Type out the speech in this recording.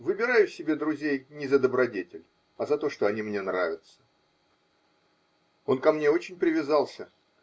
Выбираю себе друзей не за добродетель, а за то, что они мне нравятся. Он ко мне очень привязался.